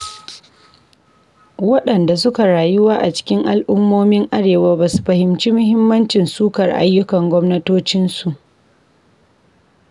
Waɗanda suka rayuwa a cikin al'ummomin arewa basu fahimci muhimmancin sukar ayyukan gwamnatocinsu.